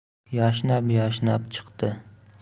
yashnab yashnab chiqdi